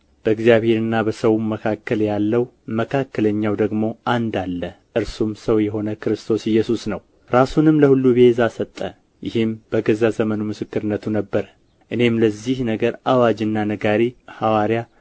በእግዚአብሔርና በሰውም መካከል ያለው መካከለኛው ደግሞ አንድ አለ እርሱም ሰው የሆነ ክርስቶስ ኢየሱስ ነው ራሱንም ለሁሉ ቤዛ ሰጠ ይህም በገዛ ዘመኑ ምስክርነቱ ነበረ እኔም ለዚህ ነገር አዋጅ ነጋሪና ሐዋርያ